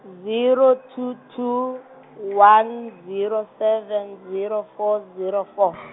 zero two two , one zero seven zero four zero four .